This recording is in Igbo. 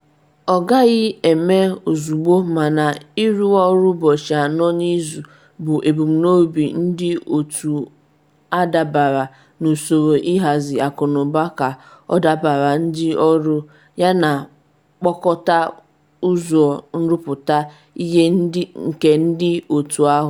‘Ọ gaghị eme ozugbo mana ịrụ ọrụ ụbọchị anọ n’izu bụ ebumnobi ndị otu a dabara n’usoro ihazi akụnụba ka ọ dabaara ndị ọrụ yana mkpokota ụzọ nrụpụta ihe nke ndị otu ahụ.’